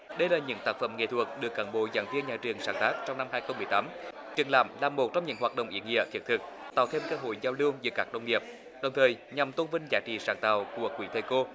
đây là những tác phẩm nghệ thuật được cán bộ giảng viên nhà trường sáng tác trong năm hai không mười tám triển lãm là một trong những hoạt động ý nghĩa thiết thực tạo thêm cơ hội giao lưu giữa các đồng nghiệp đồng thời nhằm tôn vinh giá trị sáng tạo của quý thầy cô